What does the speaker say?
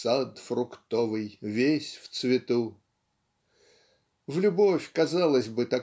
сад фруктовый весь в цвету!") в любовь казалось бы